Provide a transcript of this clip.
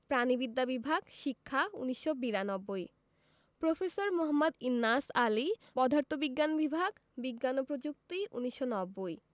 প্রাণিবিদ্যা বিভাগ শিক্ষা ১৯৯২ প্রফেসর মোঃ ইন্নাস আলী পদার্থবিজ্ঞান বিভাগ বিজ্ঞান ও প্রযুক্তি ১৯৯০